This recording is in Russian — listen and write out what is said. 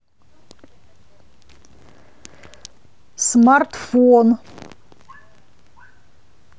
смартфон